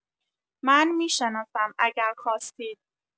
من می‌شناسم اگر خواستید